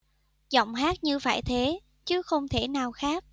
giọng hát như phải thế chứ không thể nào khác